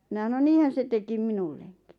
minä sanoin niinhän se teki minullekin